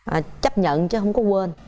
chấp nhận chứ không có quên